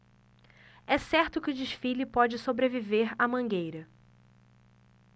é certo que o desfile pode sobreviver à mangueira